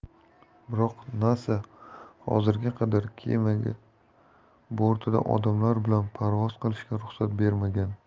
biroq nasa hozirga qadar kemaga bortida odamlar bilan parvoz qilishga ruxsat bermagan